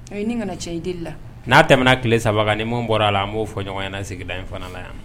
Ye ni kana cɛ i deli la n'a tɛmɛna tile saba ni min bɔra a la n b'o fɔ ɲɔgɔn ɲɛna sigira in fana la yan